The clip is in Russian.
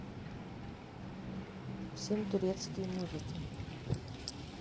всем турецкие музыки